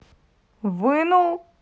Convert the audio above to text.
вынул